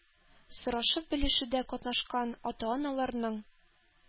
Сорашып-белешүдә катнашкан ата-аналарның